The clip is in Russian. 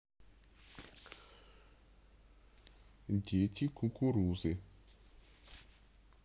дети кукурузы